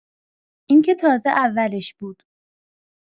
اینکه تازه اولش بود.